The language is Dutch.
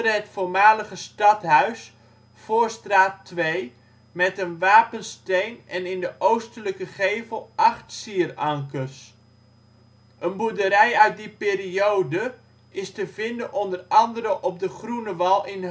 het voormalige stadhuis, Voorstraat 2, met een wapensteen en in de oostelijke gevel 8 sierankers. Een boerderij uit die periode is te vinden o.a. op de Groenewal in Heukelum